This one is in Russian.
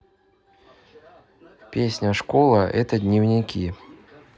песня школа это дневники